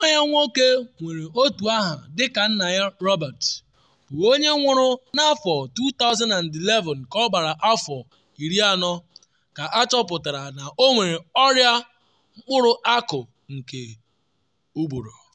Nwa ya nwoke nwere otu aha dị ka nna ya Robert, bụ onye nwụrụ na 2011 ka ọgbara afọ 40, ka achọpụtara na ọ nwere ọrịa mkpụrụ akụ nke ụbụrụ.